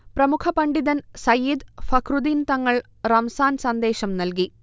പ്രമുഖ പണ്ഡിതൻ സയ്യിദ് ഫഖ്റുദ്ദീൻ തങ്ങൾ റംസാൻ സന്ദേശം നൽകി